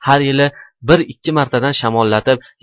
har yili bir ikki martadan shamollatib